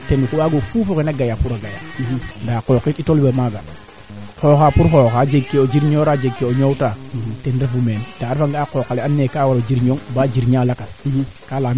ana jegaa rendement surtout foofi manquer anga ko ga'a no ndaq bo foofi manquer na keene refa maaga en general soti kee ndaa a refa nga o fuuƴole aussi foof le maya nga